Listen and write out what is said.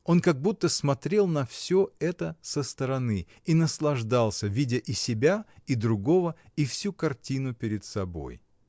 Он как будто смотрел на всё это со стороны и наслаждался, видя и себя, и другого, и всю картину перед собой.